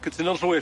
Cytuno'n llwyr.